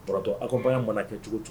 Docteur accompagnant ma na kɛ cogo cogo